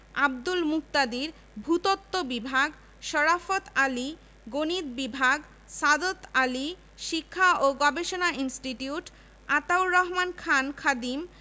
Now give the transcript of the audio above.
হিন্দু সম্প্রদায়ের প্রবল বিরোধিতার মুখে এ বিভক্তি রদ করা হলে মুসলমান সমাজ একে তাদের অগ্রযাত্রার একটি বড় ধরনের আঘাত বলে মনে করে